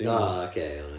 o ocê iawn ia